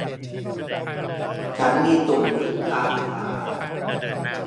ฉันมีตุ่มขึ้นตามขา